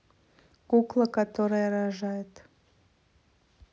кукла которая рожает